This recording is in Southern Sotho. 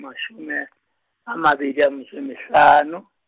mashome , a mabedi a metso e mehlano.